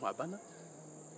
a banna